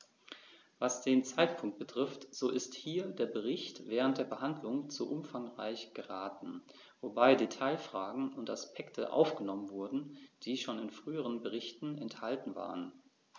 Was den Zeitpunkt betrifft, so ist hier der Bericht während der Behandlung zu umfangreich geraten, wobei Detailfragen und Aspekte aufgenommen wurden, die schon in früheren Berichten enthalten waren.